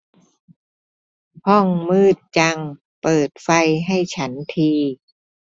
ห้องมืดจังเปิดไฟให้ฉันที